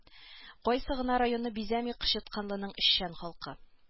Кайсы гына районны бизәми кычытканлының эшчән халкы